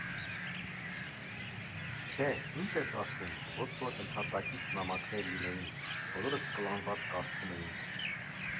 Չէ՜, ի՞նչ ես ասում, ոնց որ ընդհատակից նամակներ լինեին, բոլորս կլանված կարդում էինք։